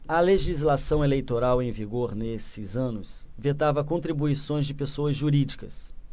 a legislação eleitoral em vigor nesses anos vetava contribuições de pessoas jurídicas